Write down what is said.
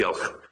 Diolch.